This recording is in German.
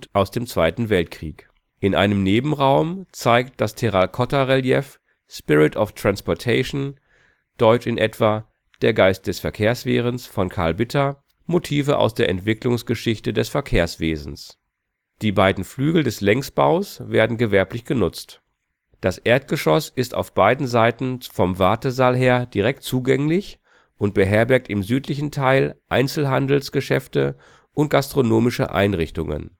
aus dem Zweiten Weltkrieg. In einem Nebenraum zeigt das Terrakotta-Relief „ Spirit of Transportation “(deutsch in etwa: „ Der Geist des Verkehrswesens “) von Karl Bitter Motive aus der Entwicklungsgeschichte des Verkehrswesens. Die beiden Flügel des Längsbaus werden gewerblich genutzt. Das Erdgeschoss ist auf beiden Seiten vom Wartesaal her direkt zugänglich und beherbergt im südlichen Teil Einzelhandelsgeschäfte und gastronomische Einrichtungen